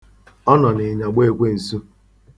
Ọ nọ n'ịnyagba ekwensu.